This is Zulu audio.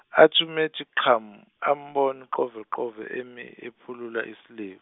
athi uma ethi qhamu, ambone uQoveqove emi ephulula isilevu.